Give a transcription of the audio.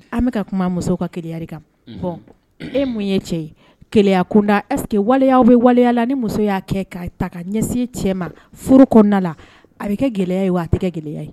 An bɛka ka kuma musow ka keri kan hɔn e mun ye cɛ ye gɛlɛyaya kundaseke waleya aw bɛ waleyala ni muso y'a kɛ ka ta ka ɲɛsin cɛ ma furu kɔnɔna la a bɛ kɛ gɛlɛya ye wa a tɛ kɛ gɛlɛya ye